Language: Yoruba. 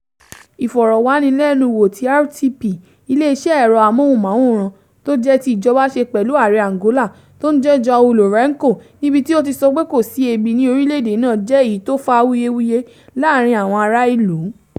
Ìfọ̀rọ̀wánilẹ́nuwò tí RTP, ileeṣẹ́ ẹ̀rọ amóhùn-máwòrán tó jẹ́ ti ìjọba ṣe pẹ̀lú Aàrẹ Angola tó ń jẹ́ João Lourenço,, níbi tí ó ti sọ pé kò sí ebi ní orilẹ́ èdè náà jẹ́ èyí tó fa awuyewúye láàárìn àwọn ará ìlú.